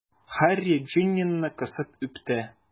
Һарри Джиннины кысып үпте.